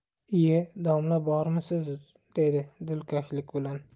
iye domla bormisiz dedi dilkashlik bilan